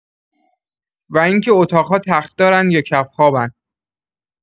و اینکه اتاق‌ها تخت دارن یا کف‌خوابن.